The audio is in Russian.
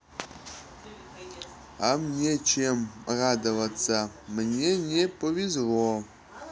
а мне чем радоваться мне не повезло